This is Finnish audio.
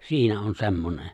siinä on semmoinen